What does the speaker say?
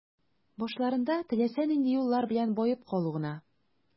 Башларында теләсә нинди юллар белән баеп калу гына.